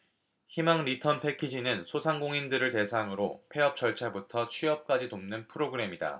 희망리턴패키지는 소상공인들을 대상으로 폐업 절차부터 취업까지 돕는 프로그램이다